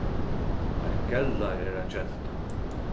ein gella er ein genta